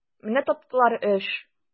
Менә таптылар эш!